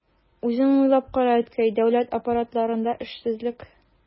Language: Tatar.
Үзең уйлап кара, әткәй, дәүләт аппаратларында эшсезлек...